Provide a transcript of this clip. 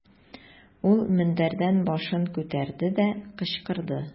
Ул мендәрдән башын күтәрде дә, кычкырды.